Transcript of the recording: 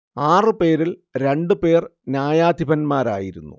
ആറു പേരിൽ രണ്ടുപേർ ന്യായാധിപന്മാരായിരുന്നു